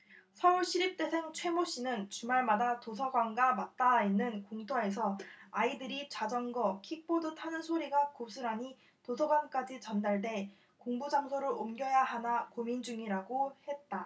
서울시립대생 최모씨는 주말마다 도서관과 맞닿아 있는 공터에서 아이들이 자전거 킥보드 타는 소리가 고스란히 도서관까지 전달돼 공부장소를 옮겨야 하나 고민 중이라고 했다